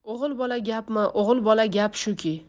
o'g'il bola gapmi o'g'il bola gap shuki